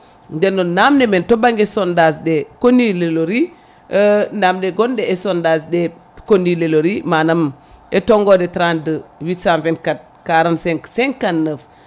nden noon anmde men to banggue sondage ɗe koni lelori namde gonne e sondage ɗe koni lelori manam e tonggode 32 824 45 59